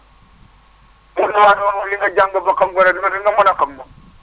pour li waay noonu wax li nga jàng ba xam ko rek nga mën a xam moom